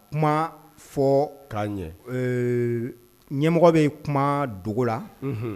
Kuma fɔ ka ɲɛ . Ee ɲɛmɔgɔ bɛ kuma dogo la; unhun